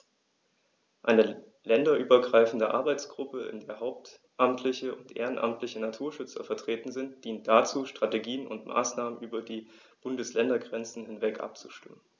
Eine länderübergreifende Arbeitsgruppe, in der hauptamtliche und ehrenamtliche Naturschützer vertreten sind, dient dazu, Strategien und Maßnahmen über die Bundesländergrenzen hinweg abzustimmen.